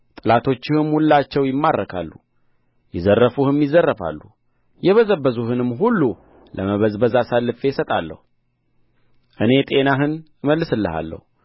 ጠላቶችህም ሁላቸው ይማረካሉ የዘረፉህም ይዘረፋሉ የበዘበዙህንም ሁሉ ለመበዝበዝ አሳልፌ እሰጣለሁ እኔ ጤናህን እመልስልሃለሁ